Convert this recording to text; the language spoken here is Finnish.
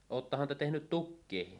olettehan te tehnyt tukkejakin